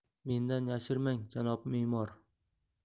mendan yashirmang janob memor